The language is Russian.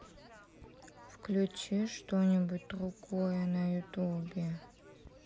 включи что нибудь другое на ютубе